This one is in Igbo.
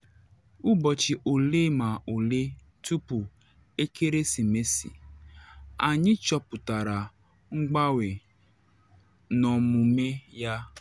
“Ụbọchị ole ma ole tupu Ekeresimesi anyị chọpụtara mgbanwe n’omume ya.